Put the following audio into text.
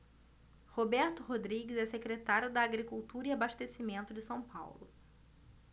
roberto rodrigues é secretário da agricultura e abastecimento de são paulo